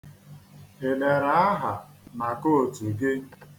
I dere aha na kootu gị?